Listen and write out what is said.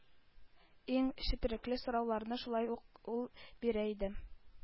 Иң четерекле сорауларны шулай ук ул бирә иде.